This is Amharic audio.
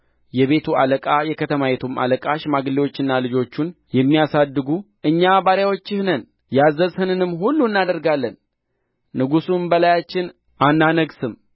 የቤቱ አለቃ የከተማይቱም አለቃ ሽማግሌዎችና ልጆቹን የሚያሳድጉ እኛ ባሪያዎችህ ነን ያዘዝኸንም ሁሉ እናደርጋለን ንጉሥም በላያችን አናነግሥም